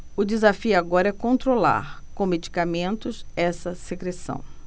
o desafio agora é controlar com medicamentos essa secreção